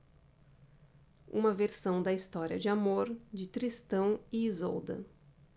uma versão da história de amor de tristão e isolda